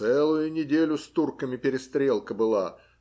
целую неделю с турками перестрелка была